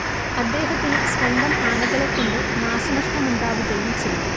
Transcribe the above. അദ്ദേഹത്തിന് സ്വന്തം ആനകളെകൊണ്ട് നാശനഷ്ടമുണ്ടാവുകയും ചെയ്തു